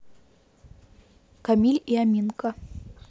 камиль и аминка